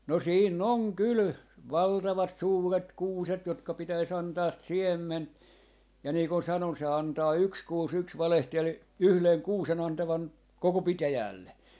no siinä on kyllä valtavat suuret kuuset jotka pitäisi antaa siemen ja niin kuin sanoin se antaa yksi kuusi yksi valehteli yhden kuusen antavan koko pitäjälle